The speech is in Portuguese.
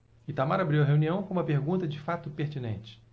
itamar abriu a reunião com uma pergunta de fato pertinente